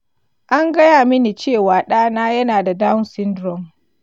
an gaya mini cewa ɗana yana da down syndrome.